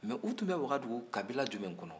mɛ u tun bɛ wagadugu kabila jumɛn de kɔnɔ